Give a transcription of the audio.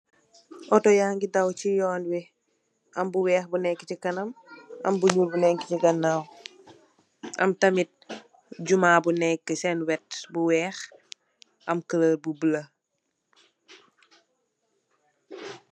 Auto ya ngi daw ci yoon bi, am bu weeh bu nekk chi kanam, am bu ñuul bu nekk chi ganaaw. Am tamit juma bu nekka senn wët bu weeh am kulóor bu bulo.